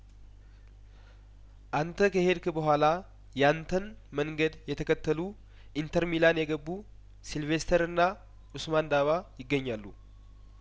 አንተ ከሄድክ በኋላ ያንተን መንገድ የተከተሉ ኢንተር ሚላን የገቡ ሲልቬስተርና ኡስማን ዳባ ይገኛሉ